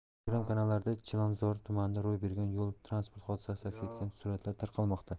telegram kanallarda chilonzor tumanida ro'y bergan yo'l transport hodisasi aks etgan suratlar tarqalmoqda